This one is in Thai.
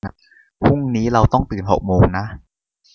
พรุ่งนี้เราต้องตื่นหกโมงนะ